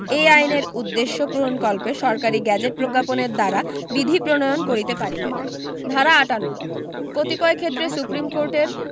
এই আইনের উদ্দেশ্য পূরণকল্পে সরকারী গেজেট প্রজ্ঞাপনের দ্বারা বিধি প্রণয়ন করিতে পারিবে ধারা ৫৮ কতিপয় ক্ষেত্রে সুপ্রীম কোর্টের